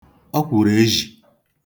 ọkwụ̀rụ̀ ezhì